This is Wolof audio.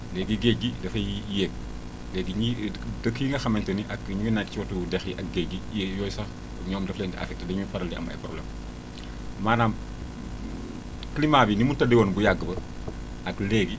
léegi géej gi dafay yéeg léegi ñiy kii nga xamante ni ak ñu nekk ci wetu dex yi ak géej gi yooyu sax ñoom dafa leen di affecté dañuy faral di am ay problèmes maanaam climat bi ni mu tëddeewoon bu yàgg ba ak léegi